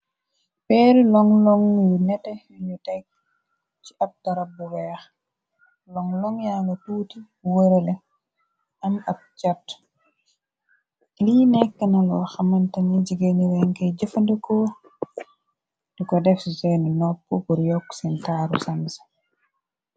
peer long loŋg yu nete yunu tegg ci ab tarab bu weex long long yaa nga tuuti wërale am ab càrt lii nekkna loo xamanta ni jige nirenkey jëfandekoo di ko def seenu nopp bur yokk seen taaru sam sa